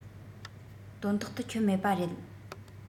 དོན ཐོག ཏུ འཁྱོལ མེད པ རེད